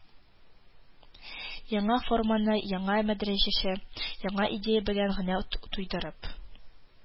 Яңа форманы яңа мәдрәҗәче, яңа идея белән генә туйдырып